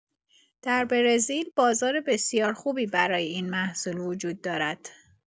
در برزیل بازار بسیار خوبی برای این محصول وجود دارد.